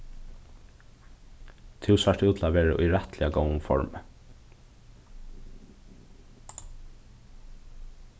tú sært út til at vera í rættiliga góðum formi